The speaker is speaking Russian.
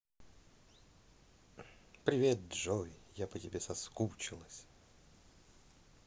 привет джой я по тебе соскучилась